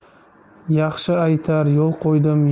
yaxshi aytar yo'l qo'ydim